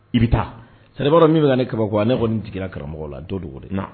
I bɛ taa , ç'a dire i b'a don min bɛ ka ne kabakoya, ne kɔni jigila karamɔgɔw de la n t'o dogo i la dɛ!